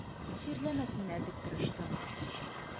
Чирләмәсеннәр дип тырыштым.